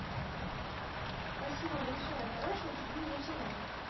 спасибо большое хорошего тебе вечера